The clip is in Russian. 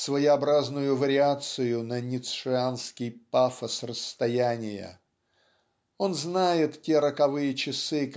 своеобразную вариацию на ницшеанский "пафос расстояния" он знает те роковые часы